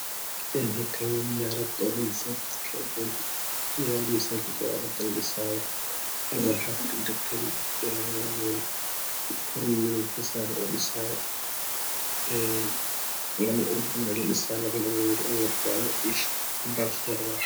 Eenhalkan wamirayad misajidka hadaladhisaya Alwaxakudhegan Een korna nimaksaran odhisaya Een lmahabeyninwili Alwax waye hada la sarirawa